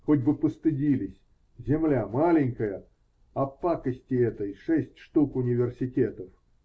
Хоть бы постыдились: земля маленькая, а пакости этой шесть штук университетов.